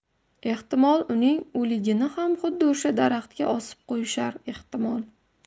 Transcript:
ehtimol uning o'ligini ham xuddi o'sha daraxtga osib qo'yishar ehtimol